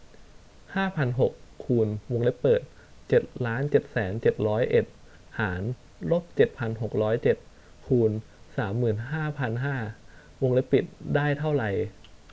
ห้าพันหกคูณวงเล็บเปิดเจ็ดล้านเจ็ดแสนเจ็ดร้อยเอ็ดหารลบเจ็ดพันหกร้อยเจ็ดคูณสามหมื่นห้าพันห้าวงเล็บปิดได้เท่าไร